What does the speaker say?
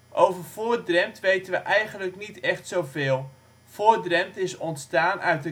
Over Voor-Drempt weten we eingelijk niet echt zo veel. Voor-Drempt is ontstaan uit